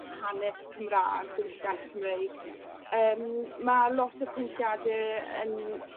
hanes Cymra'g diwylliant Cymreig. Yym ma' lot y paentiade yn